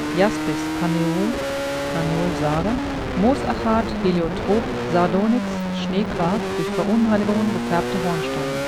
Jaspis, Karneol (Carneol, Sarder), Moosachat, Heliotrop, Sardonyx, Schneequarz: durch Verunreinigungen gefärbte Hornsteine